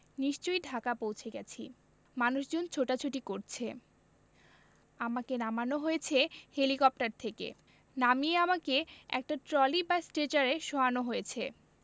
নিশ্চয়ই ঢাকা পৌঁছে গেছি মানুষজন ছোটাছুটি করছে আমাকে নামানো হয়েছে হেলিকপ্টার থেকে নামিয়ে আমাকে একটা ট্রলি বা স্ট্রেচারে শোয়ানো হয়েছে